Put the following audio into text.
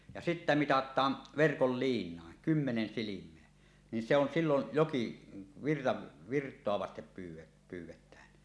ja sitten mitataan verkolla liinaan kymmenen silmää niin se on silloin joki - virtaa vasten - pyydetään